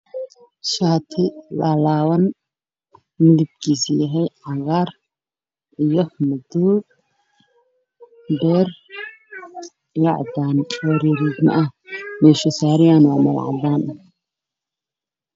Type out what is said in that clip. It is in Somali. Waa shaati laalaaban midabkiisa yahay cagaar iyo madow